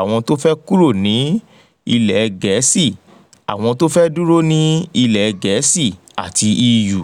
awọn Brexit, Remainer ati EU.